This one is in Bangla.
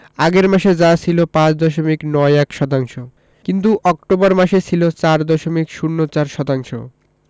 আগের মাসে যা ছিল ৫ দশমিক ৯১ শতাংশ এবং অক্টোবর মাসে ছিল ৬ দশমিক ০৪ শতাংশ